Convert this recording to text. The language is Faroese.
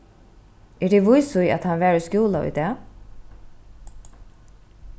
eru tit vís í at hann var í skúla í dag